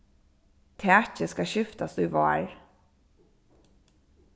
takið skal skiftast í vár